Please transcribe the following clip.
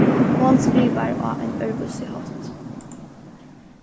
hon skrivar á ein øðrvísi hátt